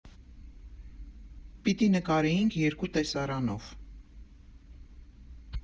Պիտի նկարեինք երկու տեսարանով։